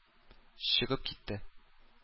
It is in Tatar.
Чыгып китте